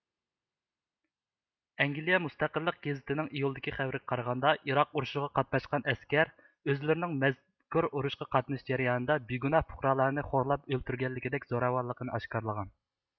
ئەنگىليە مۇستەقىللق گېزىتى نىڭ ئىيۇلدىكى خەۋىرىگە قارىغاندا ئېراق ئۇرۇشىغا قاتناشقان ئەسكەر ئۆزلىرىنىڭ مەزكۇر ئۇرۇشقا قاتنىشىش جەريانىدا بىگۇناھ پۇقرالارنى خورلاپ ئۆلتۈرگەنلىكىدەك زوراۋانلىقىنى ئاشكارىلغان